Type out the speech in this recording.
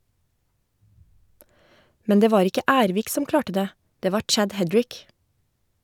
Men det var ikke Ervik som klarte det, det var Chad Hedrick.